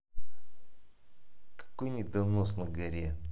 какой недонос на горе